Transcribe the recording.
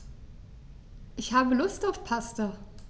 Ich habe Lust auf Pasta.